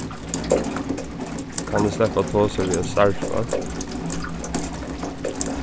kann eg sleppa at tosa við eitt starvsfólk